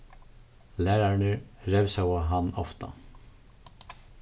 lærararnir revsaðu hann ofta